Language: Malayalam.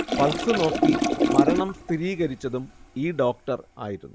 പൾസ് നോക്കി മരണം സ്ഥീരീകരിച്ചതും ഈ ഡോക്ടർ ആയിരുന്നു